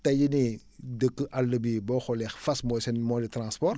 tey nii dëkk àll bi boo xoolee fas mooy seen moyen de transport